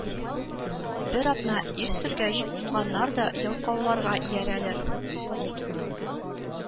Бер атна ир сөргәч, уңганнар да ялкауларга иярәләр